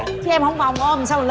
chứ em hổng vòng ôm sao